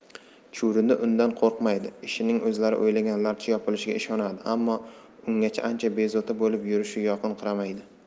chuvrindi undan qo'rqmaydi ishning o'zlari o'ylaganlaricha yopilishiga ishonadi ammo ungacha ancha bezovta bo'lib yurishi yoqinqiramaydi